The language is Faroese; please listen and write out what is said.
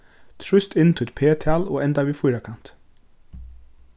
trýst inn títt p-tal og enda við fýrakanti